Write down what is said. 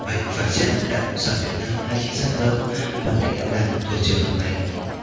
vậy phải chăng đảng cộng sản việt nam hay chính xác hơn ban lãnh đạo đảng thuộc trường hợp này